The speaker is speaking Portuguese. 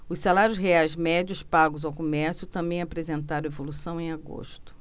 os salários reais médios pagos no comércio também apresentaram evolução em agosto